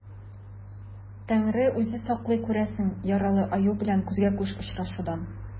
Тәңре үзе саклый күрсен яралы аю белән күзгә-күз очрашудан.